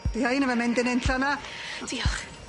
'Di hain 'im yn mynd yn unlla na? Diolch.